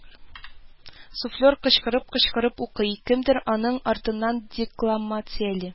Суфлер кычкырып-кычкырып укый, кемдер аның артыннан декламацияли